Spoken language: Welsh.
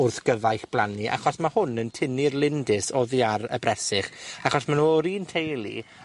wrth gyfaillblannu, achos ma' hwn yn tynnu'r lindys oddi ar y bresych, achos ma' n w o'r un teulu